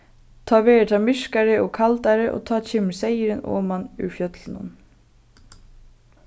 tá verður tað myrkari og kaldari og tá kemur seyðurin oman úr fjøllunum